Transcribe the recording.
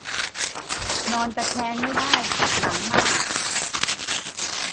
นอนตะแคงไม่ได้เจ็บหลังมาก